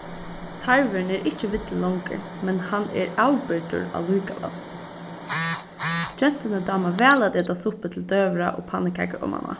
tarvurin er ikki villur longur men hann er avbyrgdur allíkavæl gentuni dámar væl at eta suppu til døgurða og pannukakur omaná